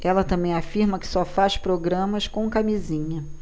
ela também afirma que só faz programas com camisinha